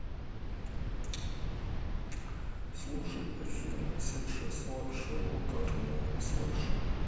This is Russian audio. слушай афина сейчас вообще удара не слышу